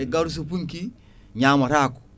gawri so funkki ñamotako